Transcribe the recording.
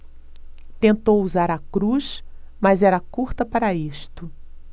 tentou usar a cruz mas era curta para isto